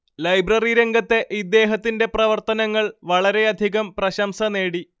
library രംഗത്തെ ഇദ്ദേഹത്തിന്റെ പ്രവർത്തനങ്ങൾ വളരെയധികം പ്രശംസ നേടി